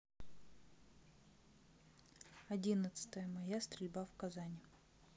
одиннадцатое мая стрельба в казани